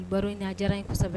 Baro in na a diyara n ye kosɛbɛ